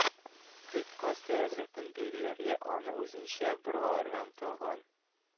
Кыйтга сәясәтен билгеләргә, аны үзенчә боргаларга омтылган